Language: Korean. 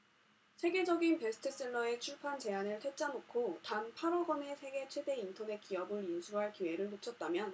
세계적인 베스트셀러의 출판 제안을 퇴짜놓고 단 팔 억 원에 세계 최대 인터넷 기업을 인수할 기회를 놓쳤다면